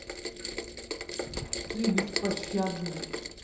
ты беспощадна